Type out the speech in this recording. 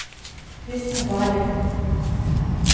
песня вали